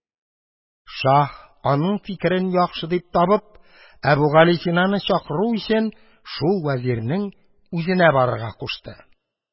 Шаһ, аның фикерен яхшы дип табып, Әбүгалисинаны чакыру өчен, шул вәзирнең үзенә барырга кушты.